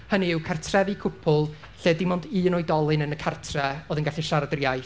hynny yw cartrefi cwpwl lle dim ond un oedolyn yn y cartre oedd yn gallu siarad yr iaith.